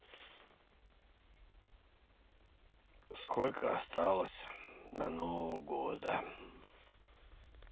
сколько осталось до нового года